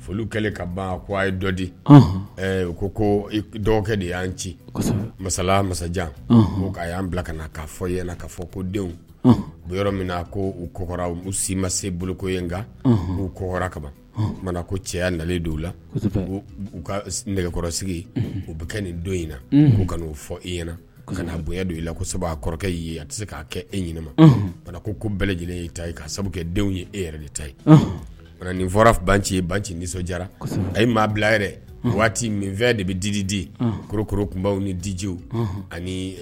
Foli kɛlen ka ban a ye u ko ko dɔgɔkɛ de y'an ci masa masajan bila fɔ fɔ ko yɔrɔ min ko u kɔ si ma se n'u kɔ kama ko cɛya nalen la ka sigi u bɛ kɛ nin don in na u kana'o fɔ i ɲɛna ka na bonya don i la ko sababu kɔrɔkɛ y' ye a tɛ se k'a kɛ e ɲininka ma ko ko bɛɛ lajɛlen y' ta ka sababu kɛ denw ye e yɛrɛ de ta nin fɔra ban nci ye ba nci nisɔndi a ye maa bila yɛrɛ waati min fɛn de bɛ dididi korokoro kunba ni dijiw ani